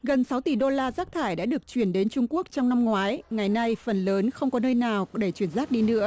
gần sáu tỷ đô la rác thải đã được chuyển đến trung quốc trong năm ngoái ngày nay phần lớn không có nơi nào để chuyển rác đi nữa